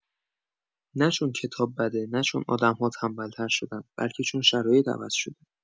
نه چون کتاب بده، نه چون آدم‌ها تنبل‌تر شدن، بلکه چون شرایط عوض شده.